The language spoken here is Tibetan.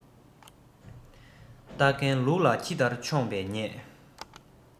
སྟག རྒན ལུག ལ ཁྱི ལྟར མཆོངས པས ཉེས